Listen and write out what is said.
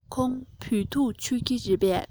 ཁོང བོད ཐུག མཆོད ཀྱི རེད པས